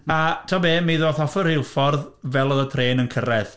A tibod be, mi ddaeth off yr rheilffordd fel oedd y trên yn cyrraedd.